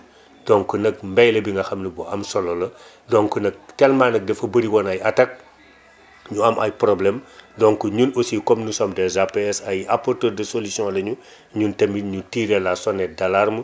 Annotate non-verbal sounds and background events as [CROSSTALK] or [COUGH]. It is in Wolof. [BREATH] donc nag mbay la bi nga xam ne bu am solo la donc nag tellement nag dafa bëri woon ay attaques ñu am ay problèmes [INHALES] donc ñun aussi comme nous sommes des APS ay apporteurs de solution la ñu [INHALES] ñun tamit ñu tiré la sonette d' alarme